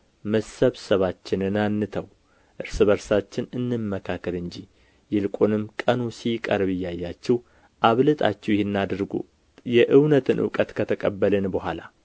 መሰብሰባችንን አንተው እርስ በርሳችን እንመካከር እንጂ ይልቁንም ቀኑ ሲቀርብ እያያችሁ አብልጣችሁ ይህን አድርጉ የእውነትን እውቀት ከተቀበልን በኋላ